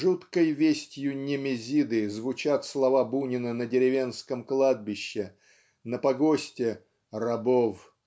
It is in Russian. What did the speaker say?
жуткой вестью Немезиды звучат слова Бунина на деревенском кладбище на погосте "рабов